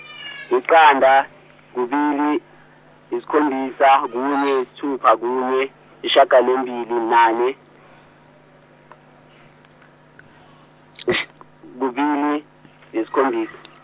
yiqanda, kubili, yisikhombisa , kunye, yisithupa, kunye, isishagalombili nane kubili, yisikhombisa.